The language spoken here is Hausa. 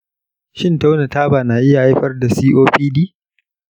shin tauna taba na iya haifar da copd?